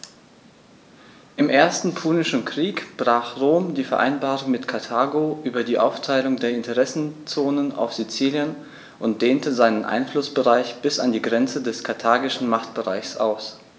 Im Ersten Punischen Krieg brach Rom die Vereinbarung mit Karthago über die Aufteilung der Interessenzonen auf Sizilien und dehnte seinen Einflussbereich bis an die Grenze des karthagischen Machtbereichs aus.